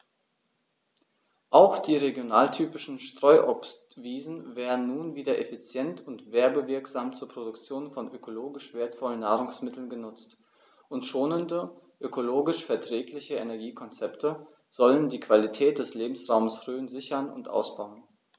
Auch die regionaltypischen Streuobstwiesen werden nun wieder effizient und werbewirksam zur Produktion von ökologisch wertvollen Nahrungsmitteln genutzt, und schonende, ökologisch verträgliche Energiekonzepte sollen die Qualität des Lebensraumes Rhön sichern und ausbauen.